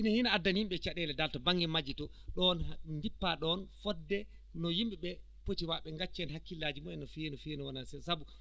ina hina addana yimɓe caɗeele dal to baŋnge majje too ɗoon ndippaa ɗoon fotde no yimɓe ɓee poti waa ɓe gacce heen hakkillaaji mumen no feewi no feewi no wonaa seeɗa sabu